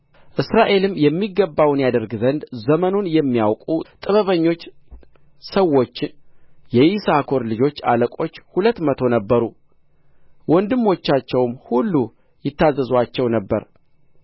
እስራኤልም የሚገባውን ያደርግ ዘንድ ዘመኑን የሚያውቁ ጥበበኞች ሰዎች የይሳኮር ልጆች አለቆች ሁለት መቶ ነበሩ ወንድሞቻቸውም ሁሉ ይታዘዙአቸው ነበር በ